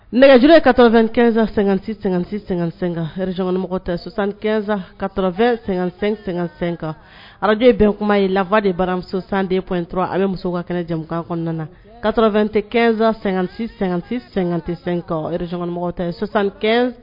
Nɛgɛj ye2 kɛɛnsan sɛgɛn-sɛ2-sɛ remɔgɔsansan2-sɛ-sɛsɛ kan araden bɛn kuma ye lafa de barasandenp in dɔrɔn a bɛ muso ka kɛnɛ jamukan kɔnɔna na ka2tesan--tesan